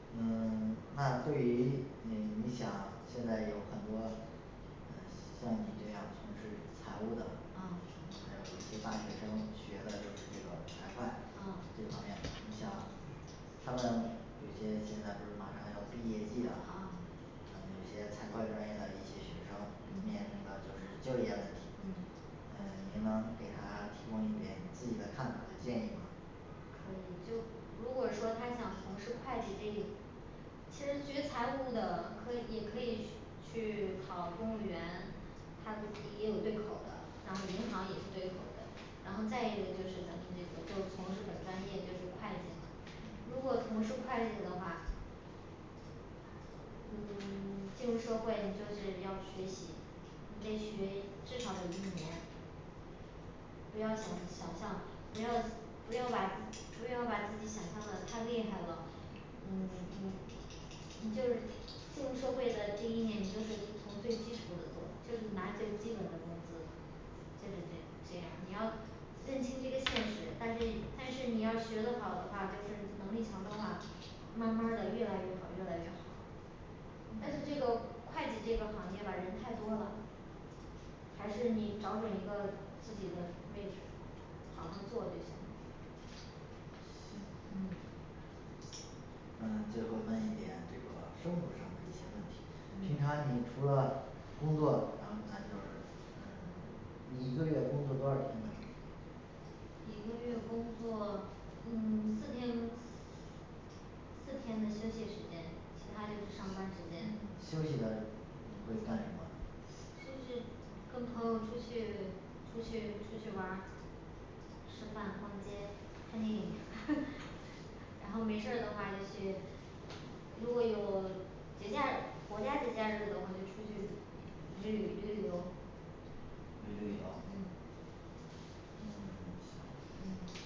嗯嗯 那对于你你想现在有很多嗯像你这样从事财务的，嗯啊还有一些大学生学的就是这个财会啊这方面的你想他们有些现在不是马上要毕业季了嗯啊有些财会专业的一些学生面临的就是就业问题嗯嗯您能给他提供一点自己的看法和建议吗可以，就如果说他想从事会计这一，其实学财务的可也可以去去考公务员它这也有对口儿的，然后银行也是对口儿的。 然后再一个就是咱们那个就从事本专业就是会计嘛，嗯如果从事会计的话嗯 进入社会你就是要学习，你得学至少得一年不要想想象，不要不要把不要把自己想象的太厉害了嗯嗯你就是进入社会的第一年你就是从最基础的做，就是拿最基本的工资就是这这样儿你要认清这个现实，但是但是你要学得好的话，就是能力强的话，慢儿慢儿的越来越好越来越好但是这嗯个会计这个行业吧人太多了，还是你找准一个自己的位置，好儿好儿做就行了行嗯嗯最后问一点这个生活上的一些问题。平嗯常你除了工作，然后咱就是嗯你一个月工作多少天呢一个月工作嗯四天，四 四 四天的休息时间其它就是上班嗯时间休息的你会干什么休息跟朋友出去出去出去玩儿、吃饭、逛街、看电影 然后没事儿的话就去。如果有节假国家节假日的话就出去旅旅旅旅游旅旅游嗯嗯行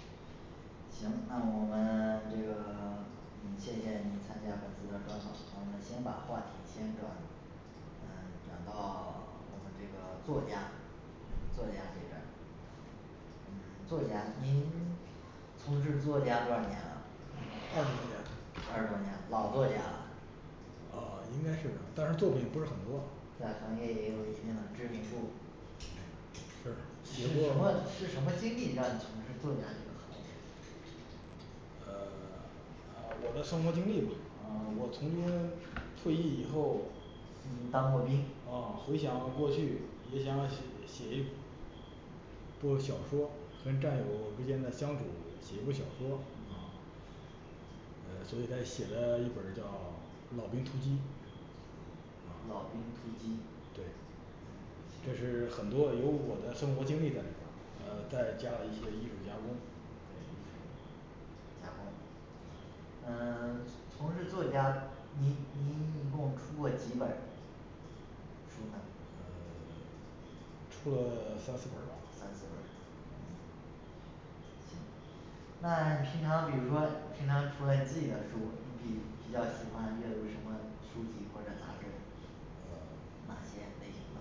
行，那我们这个嗯谢谢你参加本次的专访，那我们先把话题先转嗯转到 我们这个作家，作家这边儿嗯作家您从事作家多少年了二十多年二十多年老作家啦啊应该是啊，但是作品不是很多在行业也有一定的知名度是是写什过么是什么经历让你从事作家这个行业呃呃我的生活经历吧，呃我从军退役以后，嗯当过兵啊回想过去也想写写一部儿小说儿，跟战友之间的相处，写一部小说儿啊，呃所以在写了一本儿叫老兵突击老老兵突击对这是行很多有我的生活经历在里边儿，呃再嗯加了一些艺术加工对艺术加工嗯 从从事作家，您您一共出过几本儿书呢呃 出了三四本儿吧三四本儿嗯行那平常比如说平常除了你自己的书，你比比较喜欢阅读什么书籍或者杂志呃哪些类型的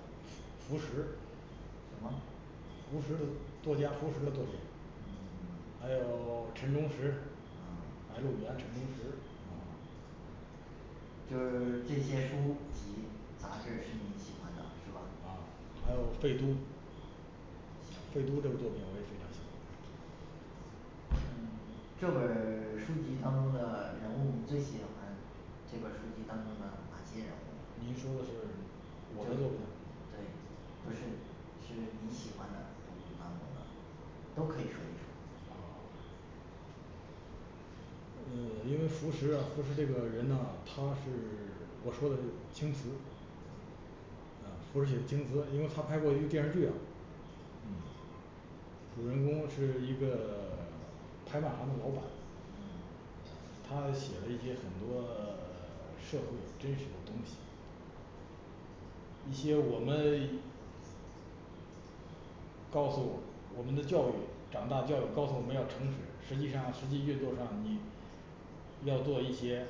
浮石什么浮石的作家浮石的作品嗯 还有陈忠实啊白鹿原陈忠实啊嗯就是这些书籍杂志是你喜欢的是吧？啊还有废都废都这行个作品我也非常喜欢它嗯 这本儿 书籍当中的人物儿最你喜欢看这本儿书籍当中的哪些人物儿呢您说的是我的作品对不是是您喜欢的读物当中都可以说一说哦嗯因为浮石啊浮石这个人呢他是我说的是青瓷啊，浮石写的青瓷因为他拍过一个电视剧啊嗯主人公是一个 拍卖行的老板嗯他写了一些很多 社会真实的东西一些我们告诉我们的教育长大教育告诉我们要诚实实际上实际运作上你要做一些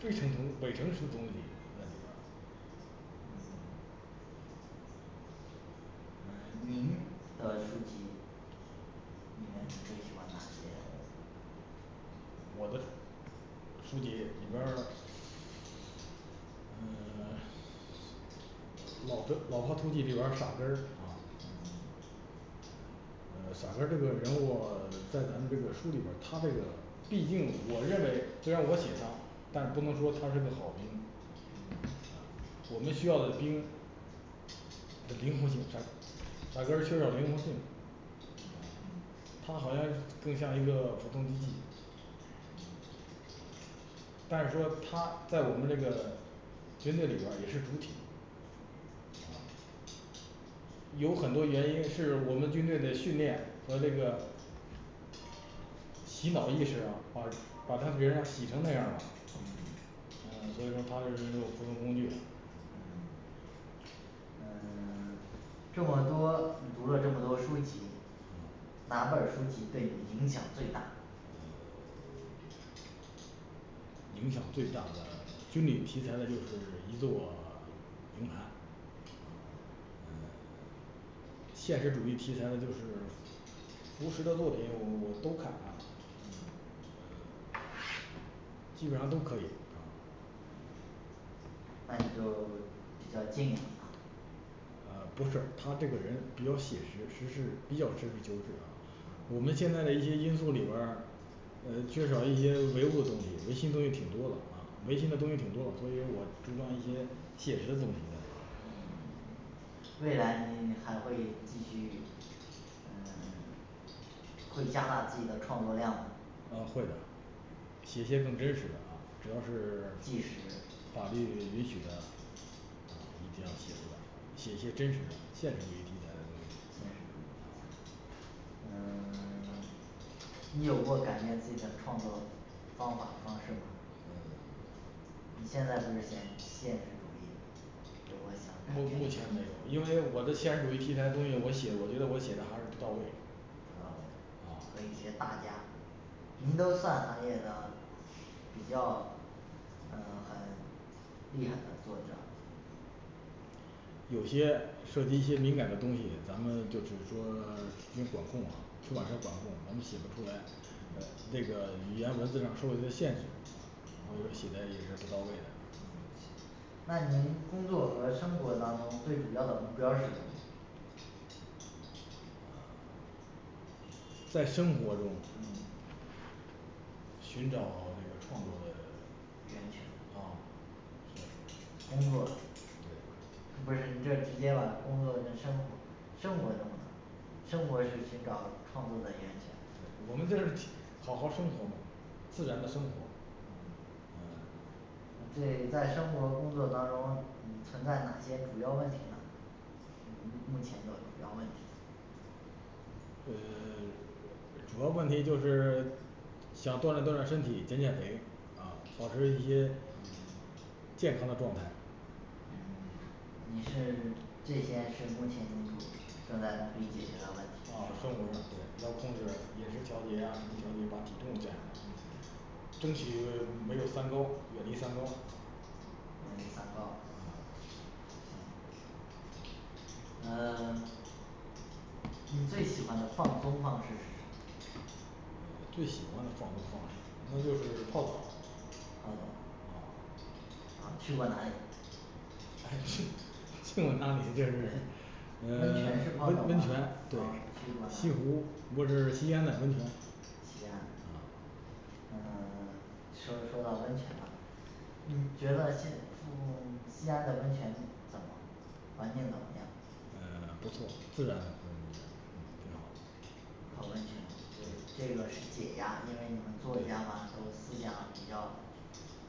非诚诚伪诚实的东西在里边儿嗯那您的书籍里面你最喜欢哪些人物儿呢我的书籍里边儿嗯嗯 老的老炮突击里边儿傻根儿啊嗯呃傻根儿这个人物在咱们这个书里边儿，他这个毕竟我认为虽然我写他，但不能嗯说他是个好兵啊嗯我们需要的兵的灵活性，他傻根儿缺少灵活性嗯嗯他好像是更像一个普通机器但是说他在我们这个军队里边儿也是主体啊有很多原因是我们军队的训练和那个洗脑意识啊，把把他别人洗成那样儿了，嗯嗯所以说它是一种普通工具嗯嗯 这么多你读了这么多书籍，哪本儿书籍对你影响最大呃 影响最大的军旅题材的就是一座 营盘啊嗯 现实主义题材的就是浮石的作品我我都看啊嗯基本上都可以啊嗯那你就比较敬仰他啊不是，他这个人比较写实，实事比较实事求是啊。我们啊现在的一些因素里边儿嗯缺少一些唯物东西，唯心东西挺多的啊，唯心的东西嗯挺多的啊所以我主张一些写实的东西在里面儿嗯未来你还会继续嗯会加大自己的创作量吗啊会的。 写些更真实的啊主要是纪实法律允许的啊一定要写嗯出来，写一嗯些真实的现实主义题材的东西现实主义题材啊嗯 你有过改变自己的创作方法方式吗，嗯 你现在不是现现实主义有过想目改目变前没吗有，因为我的现实主义题材的东西，我写我觉得我写的还是不到位不到位和一啊些大家您都算行业的比较嗯很厉害的作者有些涉及一些敏感的东西，咱们就是说已经管控啊，不管是管嗯控咱们写不出来。呃嗯这个语言文字上受到一些限制我觉得写啊得也是不到位的嗯行那您工作和生活当中最主要的目标儿是什么在生活中嗯寻找那个创作的源泉啊是这工作对这不是你这直接把工作跟生活，生活中呢生活是寻找创作的源泉我们就是好儿好儿生活嘛，自然的生活嗯呃那这在生活工作当中你存在哪些主要问题呢？嗯目目前的主要问题嗯 主要问题就是，想锻炼锻炼身体减减肥啊，保持一些嗯健康的状态嗯你是这些是目前你主正在努力解决的问啊生题是吧活上对要控制饮食调节呀，什么调节，把体重减了嗯争取就是没有三高，远离三高啊远离三高 行嗯 你最喜欢的放松方式是什么嗯最喜欢的放松方式那就是嗯泡澡儿泡澡啊啊去过哪里 去去过哪里对是嗯温泉式 泡澡吗温呃温泉对去西过湖哪里不是西安的温泉西安啊嗯 说说到温泉了你觉得西就西安的温泉怎么环境怎么样嗯不错，自然感觉非常好泡温泉这这个是解压，因为你们作家嘛都思想比较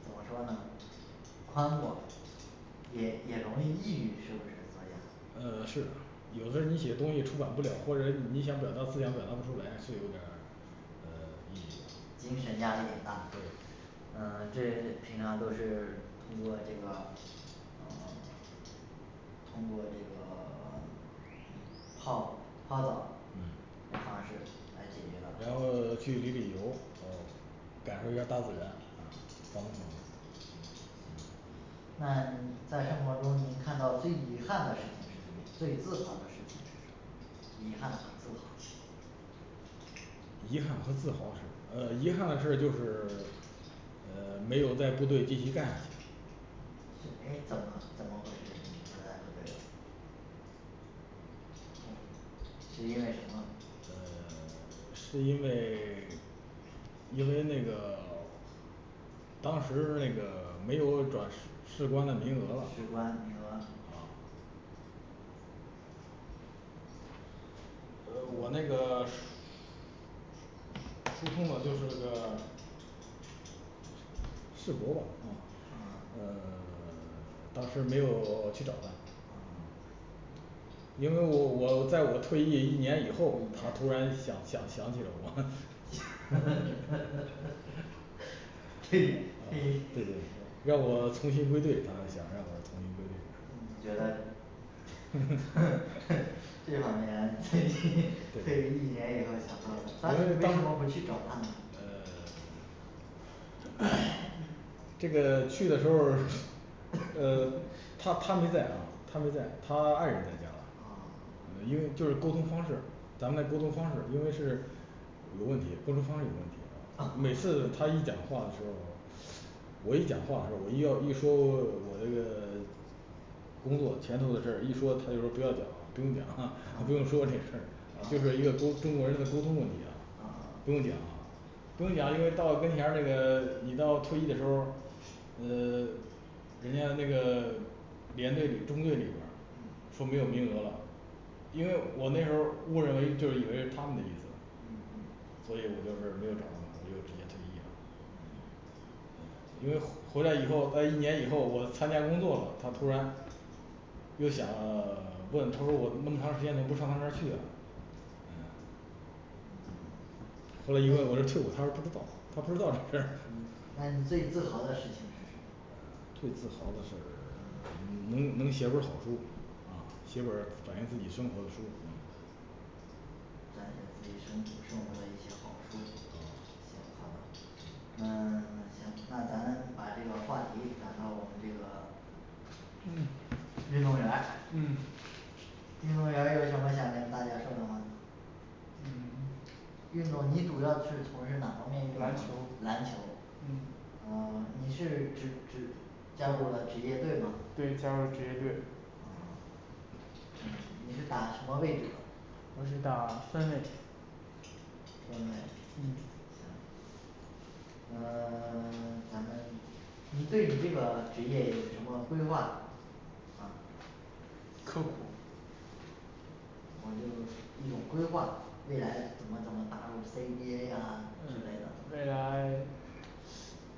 怎么说呢宽广也也容易抑郁是不是作家呃是的，有时候儿你写东西出版不了，或者你 你想表达思想表达不出来是有点儿呃抑郁了精神压力也大。对嗯这平常都是通过这个嗯通过这个 泡泡澡儿嗯嘞方式来解决的然后去旅旅游哦感受一下儿大自然啊放松放松嗯行那在生活中您看到最遗憾的事情是什么，最自豪的事情是什么遗憾和自豪遗憾和自豪的事儿呃遗憾的事儿就是呃没有在部队继续干下去是诶怎么怎么回事儿你不在部队了，同是因为什么呃 是因为 因为那个当时那个没有转士士官的名额了啊士官名额啊呃我那个是说通了就是那个世伯吧啊啊呃 当时没有去找他啊因为我我在我退役一一年以年后，他突然想想想起了我 这对这的要我重新归队他想让我重新归队你觉得 这方面 退役退对役一年以后想到的当因时为为当什时么不去找他呢嗯 这个去的时候儿，呃他他没在啊他没在，他爱人在家呢啊呃因为就是沟通方式，咱们的沟通方式因为是有问题，沟通方式有问题啊，每次他一讲话的时候儿我一讲话时候儿我一要一说，我这个工作前头的事儿一说，他就说不要讲不用讲， 他不用说这个事儿就是一个沟中国人的沟通问题啊不啊用讲啊啊不用讲，因为到跟前儿这个你到退役的时候儿呃人家那个连队里中队里边儿嗯说没有名额了因为我那时候儿误认为就以为他们的意嗯思嗯所以我就是没有找到他，我就直接退役了嗯因为回回来以后在一年以后我参加工作了，他突然嗯又想 问他说我那么长时间怎么不上他那儿去啊啊嗯后那来一你问我说退伍，他说不知道他不知道这事儿 嗯那你最自豪的事情是什么呃最自豪的事儿嗯 能能写本儿好书，啊写本儿反映自己生活的书啊撰写自己生生活的一些好书啊行好的嗯 行，那咱把这个话题转到我们这个嗯运动员儿嗯运动员儿有什么想跟大家说的吗嗯运动你主要是从事哪方面运动啊篮球篮球嗯嗯你是职职加入了职业队吗？对加入了职业队啊嗯你是打什么位置的我是打分位分位嗯行那 咱们你对你这个职业有什么规划吗刻苦我就说一种规划未来怎么怎么打入C B A啊嗯之类的未来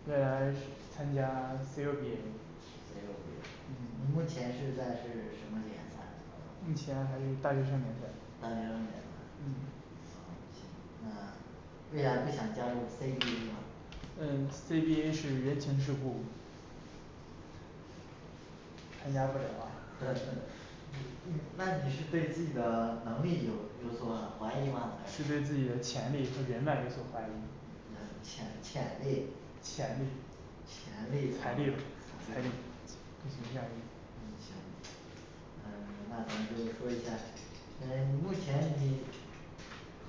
未来是参加C U B A C U B A 嗯你目前是在是什么联赛当目中前还是大学生联赛大学生联赛，哦嗯行那为啥不想加入C B A吗嗯C B A是人情世故，参加不了啊 嗯嗯那你是对自己的能力有有所怀疑吗？还是是对自己的钱力和人脉有所怀疑那潜潜力钱力钱力财力吧财力嗯嗯行呃那咱就说一下儿，嗯目前你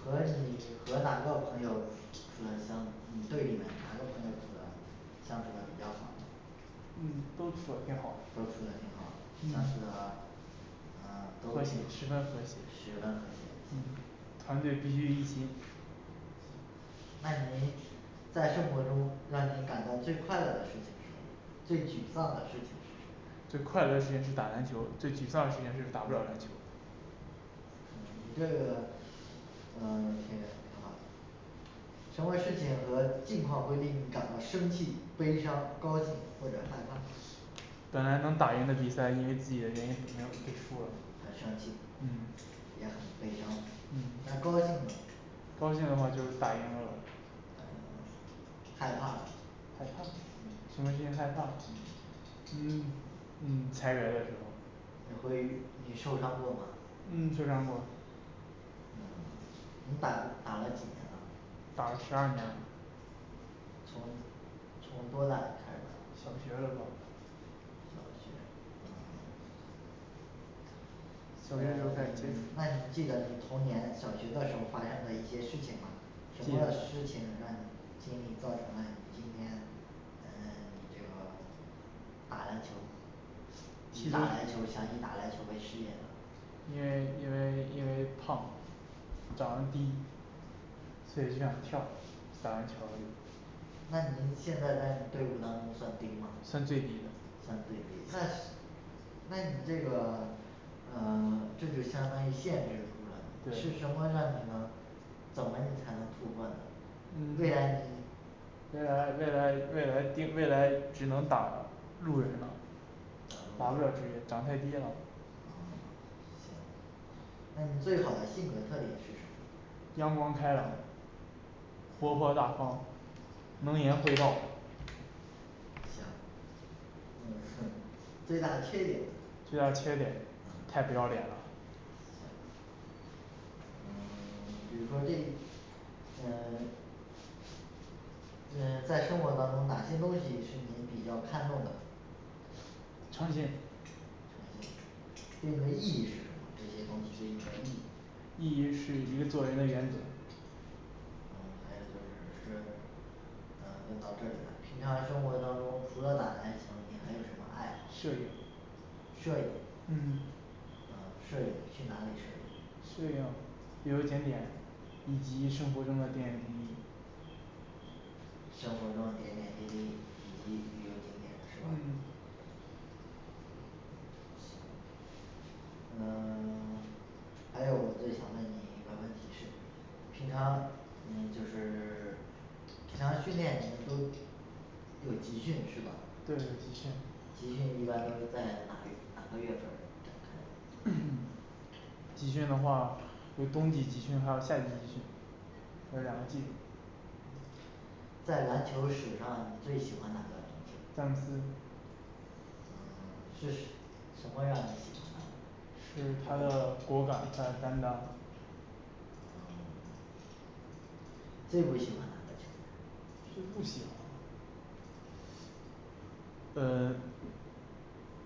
和你和哪个朋友处处的相你队里面哪个朋友处的相处的比较好呢嗯都处的挺好都的处的挺好嗯相处的嗯都和谐十挺分和谐十分和谐嗯团队必须一心那您在生活中让你感到最快乐的事情是什么最沮丧的事情是什么最快乐的事情是打篮球儿，最沮丧的事情是打不了篮球儿你这个嗯挺挺好的什么事情和境况会令你感到生气、悲伤、高兴或者害怕本来能打赢的比赛，因为自己的原因没有给输了很生气嗯也很悲伤嗯那高兴呢高兴的话就是打赢了吧。害怕呢害怕。嗯什么事情害怕嗯嗯嗯裁员的时候，你会遇你受伤过吗嗯受伤过嗯你打过 打了几年了打了十二年了从从多大开始打小学了吧小学呃小学的时候嗯开始接触 那你记得你童年小学的时候儿发生的一些事情吗什记么得事情让你经历造成了你今天嗯你这个打篮球儿去打篮球儿想以打篮球儿为事业的因为因为因为胖长得低，所以这样跳打篮球儿那您现在在你队伍当中算低吗？算最低的算最低那那你这个呃这是相当于限制住了你是对什么让你能怎么你才能突破呢嗯。未来你未来未来未来定未来只能打路人了，打打路不了人职业长太低了。哦 行那你最好的性格特点是什么阳光开朗，活泼大方，能言嗯会道行。 最大的缺点呢最大的缺点，嗯太不要脸了嗯 比如说这嗯 嗯在生活当中哪些东西是您比较看重的诚信诚信对你的意义是什么这些东西对你的意义意义是一个做人的原则嗯还有就是说嗯问到这里来，平常生活当中除了打篮球，您还有什么爱摄好影摄影嗯嗯摄影去哪里摄影摄影旅游景点以及生活中的点点滴滴生活中的点点滴滴以及旅游景点是吧嗯嗯 还有我最想问你一个问题是平常你就是 平常训练你们都有集训是吧对，有集训集训一般都是在哪里哪个月份儿展开 集训的话有冬季集训，还有夏季集训，这两个季度在篮球史上你最喜欢哪个明星詹姆斯嗯是时， 什么让你喜欢他的是他的果敢他的担当嗯最不喜欢哪个球员最不喜欢的嗯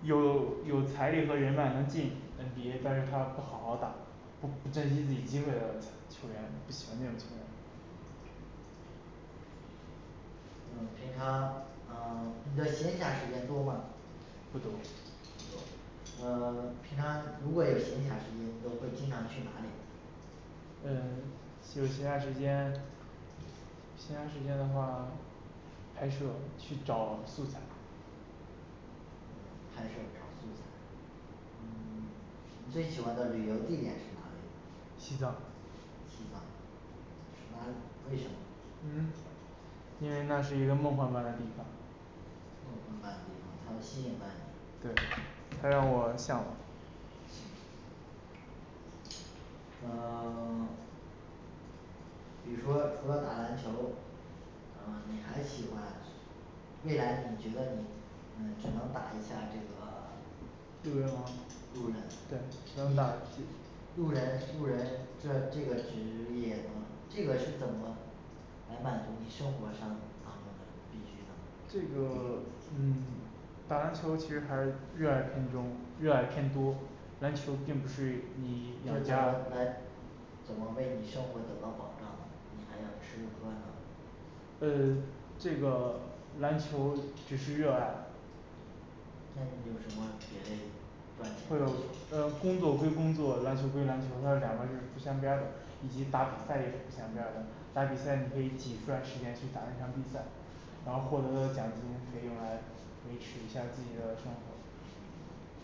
有有财力和人脉能进N B A，但是他不好好打，不不珍惜自己机会的球球员不喜欢那种球啊 员嗯平常嗯你的闲暇时间多吗不多不多嗯 平常如果有闲暇时间你都会经常去哪里嗯有其它的时间？其它时间的话，拍摄去找素材嗯拍摄找素材嗯你最喜欢的旅游地点是哪里呢西藏西藏哪为什么嗯因为那是一个梦幻般的地方梦幻般的地方它吸引了你对它让我向往嗯 比如说除了打篮球，嗯你还喜欢未来你觉得你嗯只能打一下这个 路人王路人对只能打路人路人这这个职业能这个是怎么来满足你生活上帮助的必需的？这个 嗯打篮球儿其实还热爱偏中热爱偏多，篮球儿并不是你这养怎么家来怎么为你生活得到保障呢？你还要吃喝呢呃这个篮球只是热爱那你有什么别嘞赚会有钱嘞呃工作归工作，篮球儿归篮球儿，这两个是不相干的，以及打比赛也是不相干的。打比赛你可以挤出来时间去打一场比赛然后获嗯得的奖金可以用来维持一下自己的生活嗯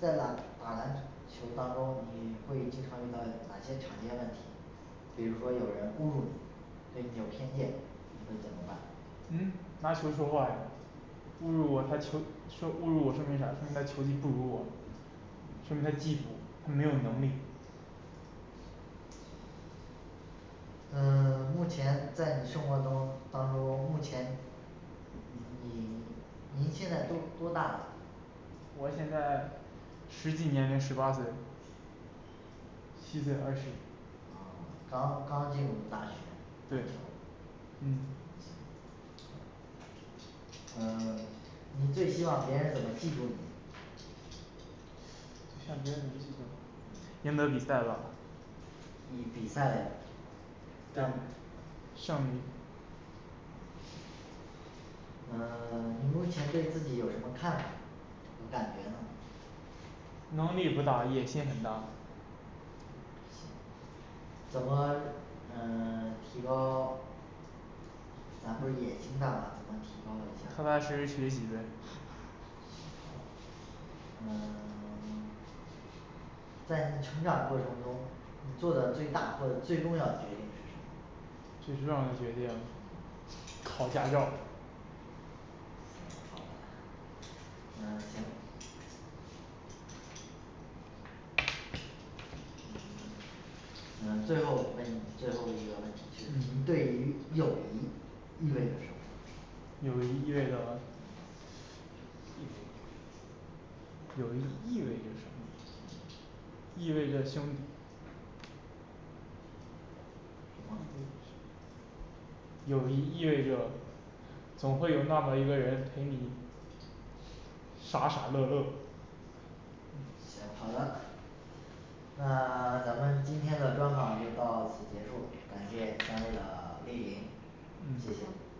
在哪儿打篮球儿当中你会经常遇到哪些常见问题比如说有人侮辱你，对你有偏见。你会怎么办嗯拿球儿说话呀，侮辱我，他球儿说侮辱我说明啥？说明他球儿技不如我，说明他嫉妒他没有能力嗯目前在你生活中当当中，目前你您现在多多大了我现在实际年龄十八岁虚岁二十哦刚刚进入大学篮球儿对嗯嗯行好的嗯你最希望别人怎么记住你啊希望别人怎么记住我，嗯赢得比赛了以比赛嘞让上嗯 你目前对自己有什么看法儿？和感觉呢能力不大，野心很大嗯行怎么嗯 提高咱不是野心大吗怎么提高一踏踏下儿实实学习呗行好的嗯 在你成长过程中你做的最大或者最重要的决定是什么最重要的决定嗯考驾照行好的。嗯行嗯嗯最后问你最后一个问题就是您对于友谊意味着什么友谊意味着嗯友谊意味着什么嗯意味着兄什么嗯友谊意味着总会有那么一个人陪你，傻傻乐乐嗯行，好的。那咱们今天的专访就到此结束，感谢三位的莅临。谢谢嗯好